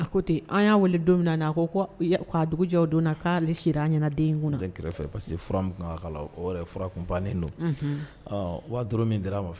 A ko ten an y'a wele don min na a ko k'a dugujɛ donna k'ale sira an ɲɛna den kun na den kɛrɛfɛ parce que fura tun ka kan ka k'ala o yɛrɛ fura tun bannen do wa 5 min dir'a ma